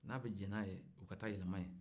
n'a bɛ diɲɛ n'a ye u ka taa yɛlɛma yen